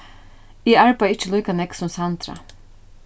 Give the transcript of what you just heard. eg arbeiði ikki líka nógv sum sandra